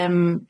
Yym.